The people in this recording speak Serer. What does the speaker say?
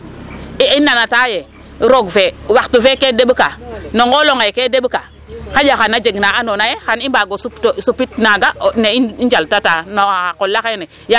I nanata yee roog fe waxtu feeke deɓka no nqool onqeeke deɓka xaƴa xaye jeg na andoona yee xan i mbaag o supto supit naaga ne i njaltata na xa qol axene.